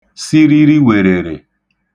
siririwèrèrè